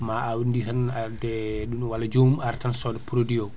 ma awdidi tan adde ɗum walla joomum ara tan soda produit o